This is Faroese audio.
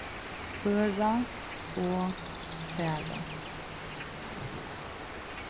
føra og fara